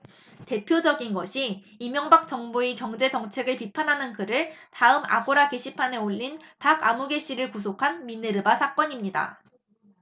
대표적인 것이 이명박 정부의 경제정책을 비판하는 글을 다음 아고라 게시판에 올린 박아무개씨를 구속한 미네르바 사건입니다